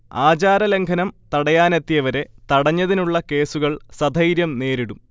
ആചാരലംഘനം തടയാനെത്തിയവരെ തടഞ്ഞതിനുള്ള കേസുകൾ സധൈര്യം നേരിടും